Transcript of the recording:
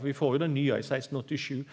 vi får jo den nye i sekstenåttisju.